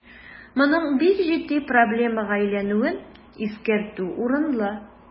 Моның бик җитди проблемага әйләнүен искәртү урынлы.